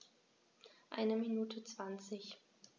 Eine Minute 20